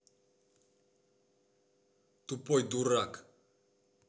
тупой дурак